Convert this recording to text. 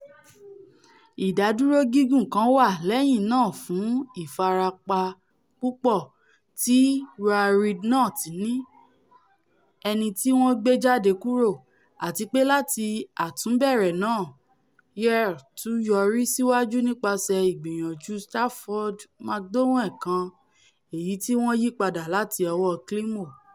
Ìdádúró gígùn kan wà lẹ́yìn náà fún ìfarapa púpọ̀ tí Ruaridh Knott ní, ẹnití wọ́n gbé jáde kúrò, àtipé láti àtúnbẹ̀rẹ̀ náà, Ayr tún yọrí síwájú nípaṣẹ̀ ìgbìyànjú Stafford McDowall kan, èyití́ wọ́n yípadà láti ọwọ́ Climo.